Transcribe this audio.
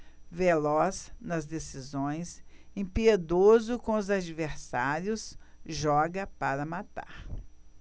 veloz nas decisões impiedoso com os adversários joga para matar